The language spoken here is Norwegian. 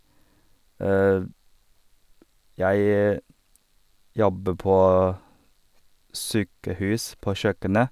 Jeg jobber på sykehus, på kjøkkenet.